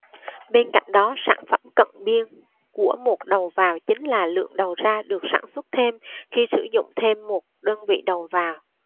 bên cạnh đó sản phẩm cận biên của một đầu vào chính là lượng đầu ra được sản xuất thêm khi sử dụng thêm một đơn vị đầu vào